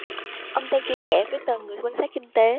ông teng chia sẻ với tờ người quan sát kinh tế